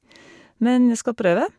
Men jeg skal prøve.